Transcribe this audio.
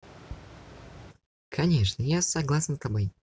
конечно я согласна за тебя